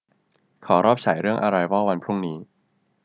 ขอรอบฉายเรื่องอะไรวอลวันพรุ่งนี้